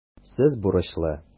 Сез бурычлы.